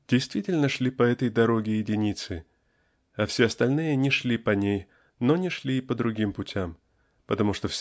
действительно шли по этой дороге единицы а все остальные не шли по ней но не шли и по другим путям потому что .